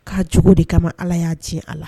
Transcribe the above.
K'a cogo de kama ala y'a diɲɛ a la